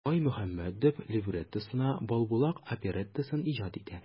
Баймөхәммәдев либреттосына "Балбулак" опереттасын иҗат итә.